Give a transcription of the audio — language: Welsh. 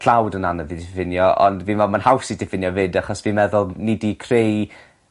tlawd yn anodd i diffinio ond fi'n me'wl ma'n haws i diffinio 'fyd achos fi'n meddwl ni 'di creu